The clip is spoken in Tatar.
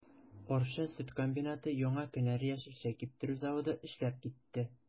Арча сөт комбинаты, Яңа кенәр яшелчә киптерү заводы эшләп китте.